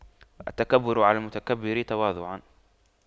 التكبر على المتكبر تواضع